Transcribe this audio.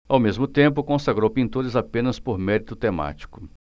ao mesmo tempo consagrou pintores apenas por mérito temático